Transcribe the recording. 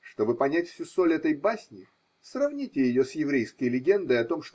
Чтобы понять всю соль этой басни, сравните ее с еврейской легендой о том.